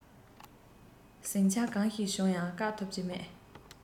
ཟིང ཆ གང ཞིག བྱུང ཡང བཀག ཐུབ ཀྱི མེད